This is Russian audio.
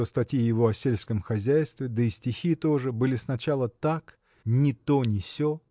что статьи его о сельском хозяйстве да и стихи тоже были сначала так ни то ни се